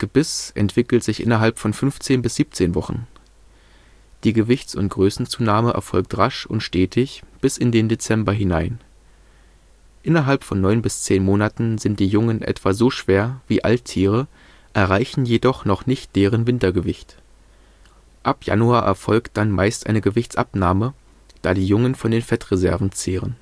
Das Gebiss entwickelt sich innerhalb von 15 bis 17 Wochen. Die Gewichts - und Größenzunahme erfolgt rasch und stetig bis in den Dezember hinein. Innerhalb von neun bis zehn Monaten sind die Jungen etwa so schwer wie Alttiere, erreichen jedoch noch nicht deren Wintergewicht. Ab Januar erfolgt dann meist eine Gewichtsabnahme, da die Jungen von den Fettreserven zehren